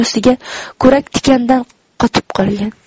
buning ustiga ko'rak tikandek qotib qolgan